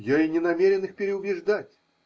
Я и не намерен их переубеждать.